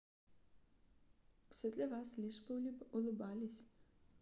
все для вас лишь бы улыбались